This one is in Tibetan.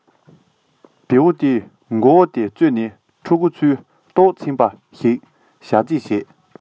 བེའུ དེའི མགོ བོ དེ བཙོས ནས ཕྲུ གུ ཚོའི ལྟོགས ཚིམས པ ཞིག བྱ རྩིས བྱས